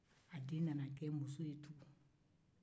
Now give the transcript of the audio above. a den nana kɛ muso ye tuguni